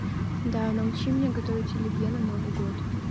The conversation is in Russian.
да научи меня готовить оливье на новый год